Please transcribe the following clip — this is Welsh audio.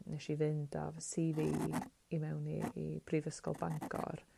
nesh i fynd a fy si fi i mewn i... i Brifysgol Bangor